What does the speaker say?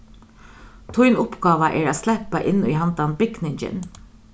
tín uppgáva er at sleppa inn í handan bygningin